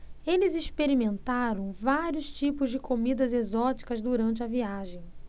eles experimentaram vários tipos de comidas exóticas durante a viagem